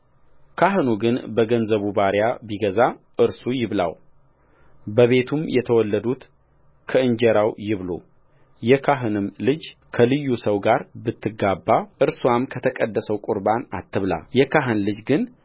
ካህኑ ግን በገንዘቡ ባሪያ ቢገዛ እርሱ ይብላው በቤቱም የተወለዱት ከእንጀራው ይብሉየካህንም ልጅ ከልዩ ሰው ጋር ብትጋባ እርስዋ ከተቀደሰው ቍርባን አትብላየካህን ልጅ ግን